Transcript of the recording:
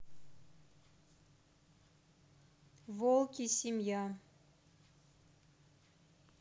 волки семья